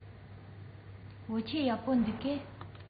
བོད ཆས ཡག པོ འདུག གས